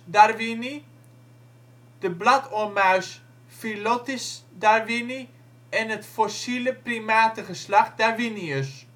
darwini, de bladoormuis Phyllotis darwini en het fossiele primatengeslacht Darwinius